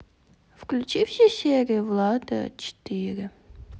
включи все серии влада а четыре